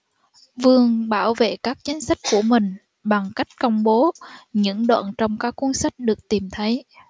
vương bảo vệ các chính sách của mình bằng cách công bố những đoạn trong các cuốn sách được tìm thấy